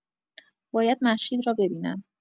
باید مهشید را ببینم.